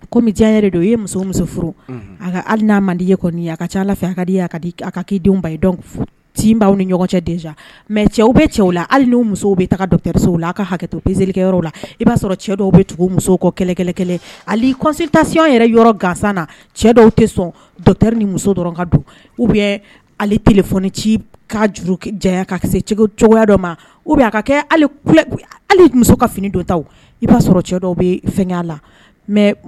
Kɔmi ala ni cɛ bɛ cɛw la hali musow bɛ la a ka hakɛsirikɛ la i b'a sɔrɔ cɛ dɔw bɛ tugu musow kɔ kɛlɛkɛ kelen ali kɔnsesi yɛrɛ yɔrɔ gansan na cɛ dɔw tɛ sɔn dɔri ni muso dɔrɔn ka don u bɛ ali tfɔ ci ka juru ja ka cogo cogo dɔ ma u bɛ'a ka kɛ muso ka fini dɔta i ba sɔrɔ cɛ dɔw bɛ fɛnya la